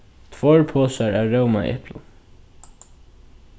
tveir posar av rómaeplum